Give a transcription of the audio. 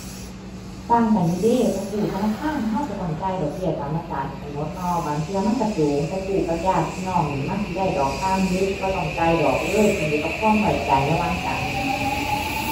ต่างกันอยู่เดะ เพราะกู้ธนาคารเราเราต้องจ่ายดอกเบี้ยตามอัตราที่กำหนดเนาะ บางเทื่อมันเราสูง แต่กู้กับญาติพี่น้องนี่มันสิได้ดอกต่ำหรือบ่ต้องจ่ายดอกเลย ขึ้นอยู่กับความไว้ใจระหว่างกัน